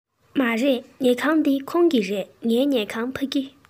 མ རེད ཉལ ཁང འདི ཁོང གི རེད ངའི ཉལ ཁང ཕ གི རེད